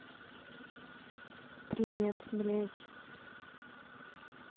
привет блядь